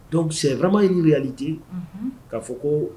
Donc c'est vraiment une réalité unhun ka fɔ koo